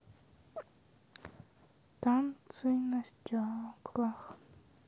танцы на стеклах